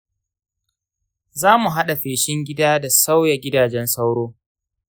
za mu haɗa feshin gida da sauya gidajen sauro.